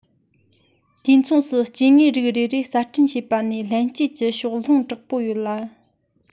དུས མཚུངས སུ སྐྱེ དངོས རིགས རེ རེ གསར སྐྲུན བྱས པ ནས ལྷན སྐྱེས ཀྱི ཕྱོགས ལྷུང དྲག པོ ཡོད ལ